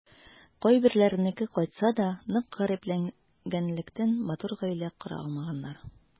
Кайберләренеке кайтса да, нык гарипләнгәнлектән, матур гаилә кора алмаганнар.